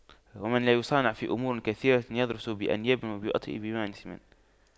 ومن لا يصانع في أمور كثيرة يضرس بأنياب ويوطأ بمنسم